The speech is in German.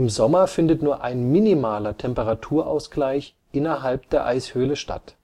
Sommer findet nur ein minimaler Temperaturausgleich innerhalb der Eishöhle statt